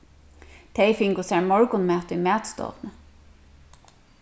tey fingu sær morgunmat í matstovuni